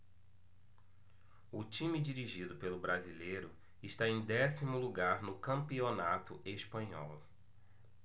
o time dirigido pelo brasileiro está em décimo lugar no campeonato espanhol